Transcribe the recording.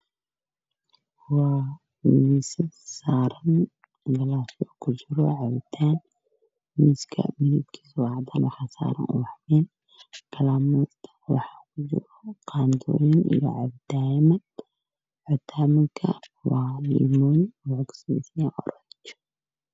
Waa miis saaran galaas ku jiro cabitaan miska midankisa waa cadan waxaa saran ubaxyo waxa jiro cabitaano waxuu ka sameysanyahay oranji